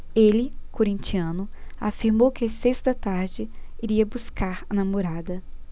ele corintiano afirmou que às seis da tarde iria buscar a namorada